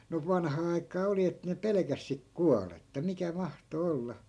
no vanhaan aikaan oli että ne pelkäsi sitten kuollutta mikä mahtoi olla